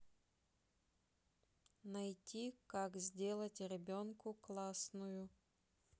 найти как сделать ребенку классную